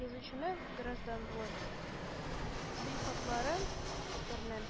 Язучының гражданлык сыйфатлары әсәрнең